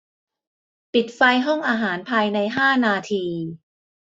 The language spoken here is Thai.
ปิดไฟห้องอาหารภายในห้านาที